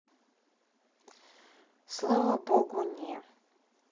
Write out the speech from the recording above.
слава богу не